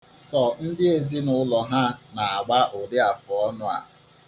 Sọ ndị ezinụlọ ha na-agba ụdị àfùọnụ̄.